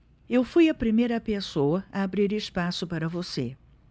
eu fui a primeira pessoa a abrir espaço para você